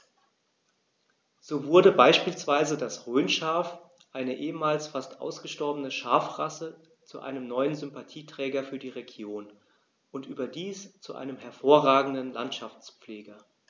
So wurde beispielsweise das Rhönschaf, eine ehemals fast ausgestorbene Schafrasse, zu einem neuen Sympathieträger für die Region – und überdies zu einem hervorragenden Landschaftspfleger.